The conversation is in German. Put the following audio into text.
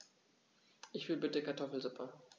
Ich will bitte Kartoffelsuppe.